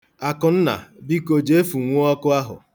Akụnna, biko, jee fụnwuo ọkụ ahụ.